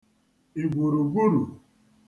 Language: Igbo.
ìgwùrùgwurù